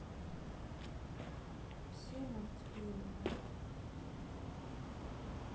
все мультфильмы